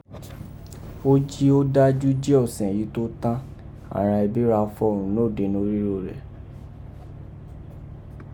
O jí ó daju jí ọ̀sẹ̀n yii to tán, àghan ẹbí ra fọghùn nóde norígho rẹ̀.